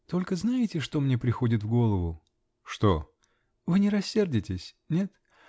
-- Только знаете, что мне приходит в голову? -- Что? -- Вы не рассердитесь? Нет?